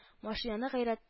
Ашинаны гайрәтл